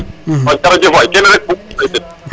jerejef waay kene rek bug umo ley ten